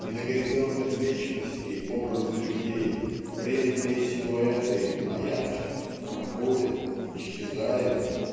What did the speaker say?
и на горизонтах вечности образы людей бренные силуэты маячат проходят исчезают